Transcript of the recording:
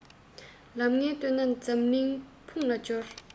ལམ ངན བཏོད ནས འཛམ གླིང འཕུང ལ སྦྱོར